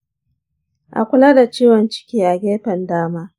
a kula da ciwon ciki a gefen dama.